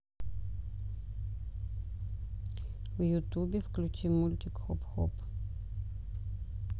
в ютубе включи мультик хоп хоп